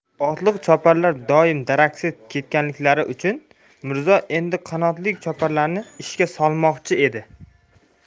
otliq choparlar dom daraksiz ketganliklari uchun mirzo endi qanotlik choparlarini ishga solmoqchi edi